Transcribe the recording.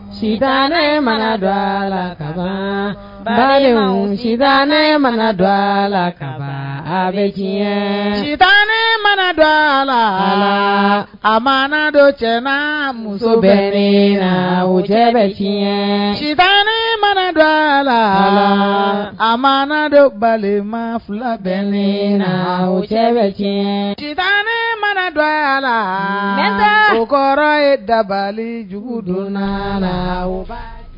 Si ne mana dɔ la taga bali si ne mana dɔ a la taga bɛ ne mana dɔ la a ma dɔ cɛ muso bɛ la wo cɛ bɛ ne mana dɔ la a ma dɔ balima fila bɛ le na cɛ bɛ tan ne mana dɔ a la ne kɔrɔ ye dabalijugu donna la